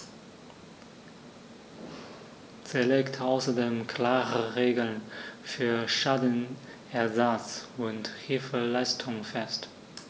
Sie legt außerdem klare Regeln für Schadenersatz und Hilfeleistung fest.